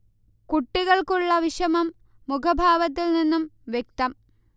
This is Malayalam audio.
കുട്ടികൾക്ക് ഉള്ള വിഷമം മുഖഭാവത്തിൽ നിന്നും വ്യക്തം